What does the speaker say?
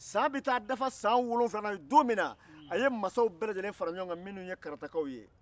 san bɛ dafa san wolonwula la don min na a ye masaw bɛɛ lajɛlen fara ɲɔgɔn kan minnu ye karatakaw